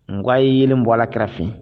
Nka y'i yelen bɔra a kɛrɛfɛfin